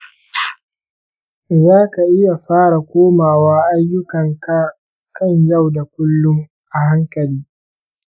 zaka iya fara komawa ayyukankan yau da kullum a hankali.